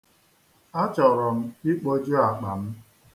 Achọrọ m ikpoju akpa m.